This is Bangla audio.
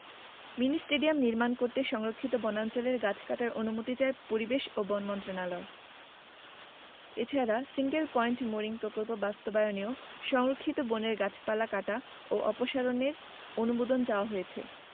মিনি স্টেডিয়াম নির্মাণ করতে সংরক্ষিত বনাঞ্চলের গাছ কাটার অনুমতি চায় পরিবেশ ও বন মন্ত্রণালয় এছাড়া সিঙ্গেল পয়েন্ট মোরিং প্রকল্প বাস্তবায়নেও সংরক্ষিত বনের গাছপালা কাটা এবং অপসারণের অনুমোদন চাওয়া হয়েছে